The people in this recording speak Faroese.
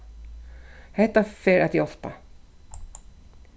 hetta fer at hjálpa